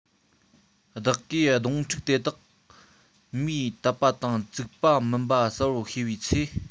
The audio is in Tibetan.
བདག གིས སྡོང ཕྲུག དེ དག མིས བཏབ པ དང བཙུགས པ མིན པ གསལ པོར ཤེས པའི ཚེ